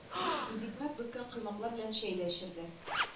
Күзикмәк бөккән коймаклар белән чәй дә эчерде